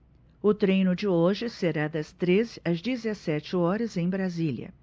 o treino de hoje será das treze às dezessete horas em brasília